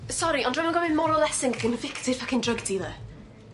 Sori ond dwi'm yn gofyn moral lesson convicted fucking drug dealer.